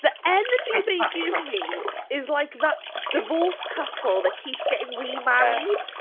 The energy they give me is like that divorced couple that keeps getting remarried.